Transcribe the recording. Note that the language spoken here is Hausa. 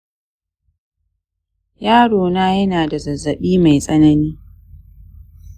yarona yanada zazzabi mai tsanani